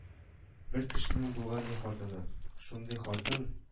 Бер кешенең булган, ди, хатыны. Шундый хатын